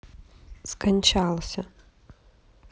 скончался